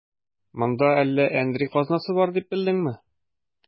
Монда әллә әндри казнасы бар дип белдеңме?